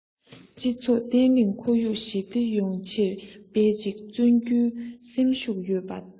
སྤྱི ཚོགས བརྟན ལྷིང ཁོར ཡུག ཞི བདེ ཡོང ཕྱིར འབད ཅིང བརྩོན རྒྱུའི སེམས ཤུགས ཡོད པ